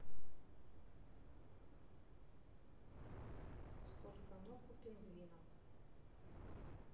сколько ног у пингвина